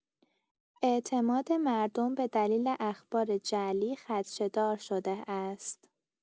اعتماد مردم به دلیل اخبار جعلی خدشه‌دار شده است.